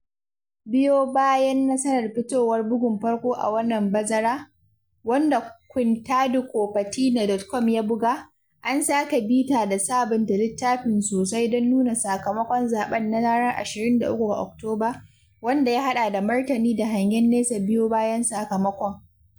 Biyo bayan nasarar fitowar bugun farko a wannan bazara, wanda quintadicopertina.com ya buga, an sake bita da sabunta littafin sosai don nuna sakamakon zaɓen na ranar 23 ga Oktoba, wanda ya haɗa da martani da hangen nesa biyo bayan sakamakon.